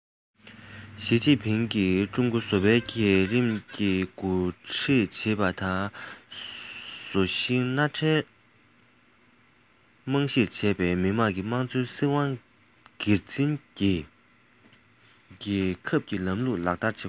ཞིས ཅིན ཕིང གིས ཀྲུང གོར བཟོ པའི གྲལ རིམ གྱིས འགོ ཁྲིད བྱེད པ དང བཟོ ཞིང མནའ འབྲེལ རྨང གཞིར བྱས པའི མི དམངས དམངས གཙོའི སྲིད དབང སྒེར འཛིན གྱི རྒྱལ ཁབ ཀྱི ལམ ལུགས ལག ལེན བསྟར བ དང